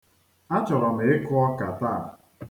Achọrọ m ịkụ ọka taa.